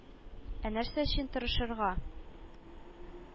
Ә нәрсә өчен тырышырга?